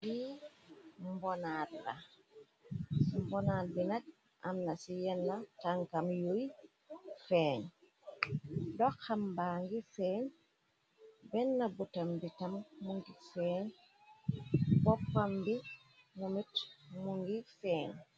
Ti mbonaat la ci mbonaat bi nak amna ci yenn tankam yuy feeñ doxambaa ngi feeñ benna butambitam mu ngi feeñ boppam bi mu mit mu ngi feeñ